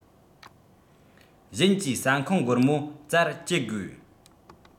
གཞན གྱིས ཟ ཁང སྒོར མོ བཙལ བཅད དགོས